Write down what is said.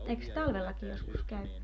eikös talvellakin joskus käy